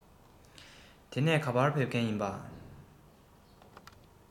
དེ ནས ག པར ཕེབས མཁན ཡིན པྰ